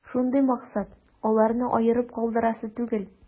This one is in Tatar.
Шундый максат: аларны аерып калдырасы түгел.